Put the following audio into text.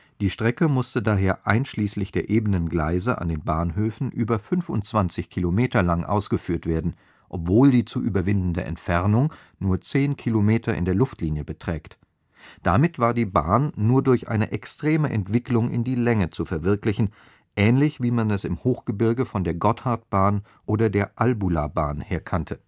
Die Strecke musste daher einschließlich der ebenen Gleise an den Bahnhöfen über 25 Kilometer lang ausgeführt werden, obwohl die zu überwindende Entfernung nur 10 km in der Luftlinie beträgt. Damit war die Bahn nur durch eine extreme Entwicklung in die Länge zu verwirklichen, ähnlich wie man es im Hochgebirge von der Gotthardbahn oder der Albulabahn her kannte